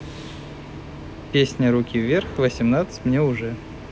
песня руки вверх восемнадцать мне уже